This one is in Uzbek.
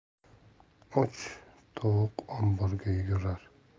och tovuq omborga yugurar